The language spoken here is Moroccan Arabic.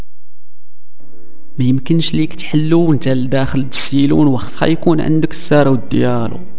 يمكن شكلك حلو انت اللي داخل يكون عندك